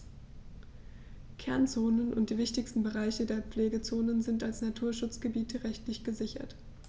Kernzonen und die wichtigsten Bereiche der Pflegezone sind als Naturschutzgebiete rechtlich gesichert.